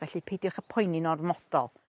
felly peidiwch â poeni'n ormodol.